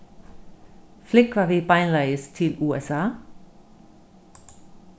flúgva vit beinleiðis til usa